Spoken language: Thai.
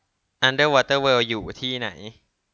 โซนเรียนพิเศษอยู่ชั้นไหน